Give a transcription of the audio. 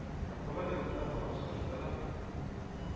Матбугат йортында булган очрашуда да